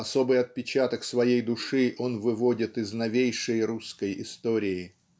Особый отпечаток своей души он выводит из новейшей русской истории